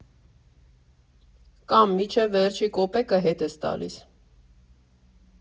Կամ մինչև վերջին կոպեկը հետ ես տալիս։